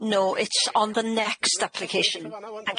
No it's on the next application thank you.